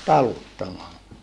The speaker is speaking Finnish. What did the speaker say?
taluttamalla